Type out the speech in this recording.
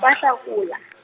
ba Hlakola.